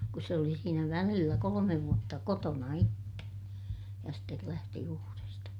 kun se oli siinä välillä kolme vuotta kotona itse ja sitten lähti uudesta